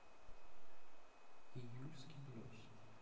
июльский блюз